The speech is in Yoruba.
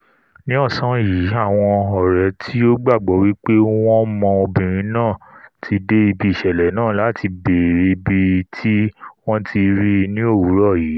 Ní ọ̀sán yìí àwọn ọ̀rẹ́ tí ó gbàgbọ́ wí pé ̀wọn mọ obìnrin náà ti dé ibi ìṣẹ̀lẹ̀ náà láti bèèrè ibití wọ́n ti rí i ni òwúrọ̀ yìí.